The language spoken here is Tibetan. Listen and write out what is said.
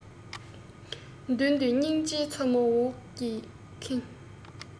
མདུན དུ སྙིང རྗེའི མཚོ མོ འོད ཀྱིས ཁེངས